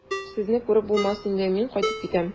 Сезне күреп булмас инде, мин кайтып китәм.